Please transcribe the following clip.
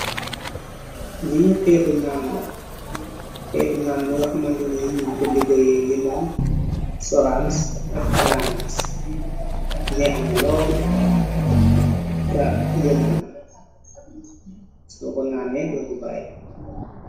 Li heetu nan la heetu naan bu nga hamantene yi ñun ko liggéee limon sorans ak ananas. Neehna lool ta yomb na so ko naanee dooku baay.